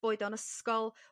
boed o'n ysgol